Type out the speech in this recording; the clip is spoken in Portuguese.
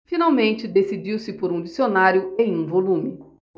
finalmente decidiu-se por um dicionário em um volume